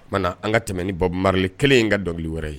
Mana an ka tɛmɛ ni bɔ maririli kelen in ka dɔnkilili wɛrɛ ye